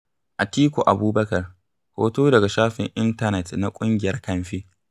Atiku Abubakar [Hoto daga Shafin Intanet na ƙungiyar Kamfe].